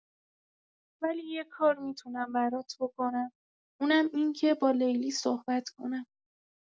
ولی یه کار می‌تونم برات بکنم، اونم اینکه با لیلی صحبت کنم.